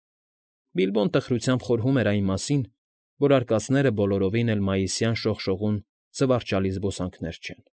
Բիբլոն տխրությամբ խորհում էր այն մասին, որ արկածները բոլորովին էլ մայիսյան շողշողուն զվարճալի զբոսանքներ չեն։